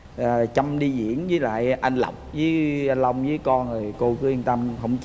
à chăm đi diễng với lại anh lộc với anh long với con cô cứ yên tâm hông